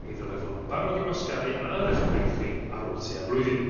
mi ddylai fod yn barod i wasgaru ar 'ych pridd chi ar ôl tua blwyddyn.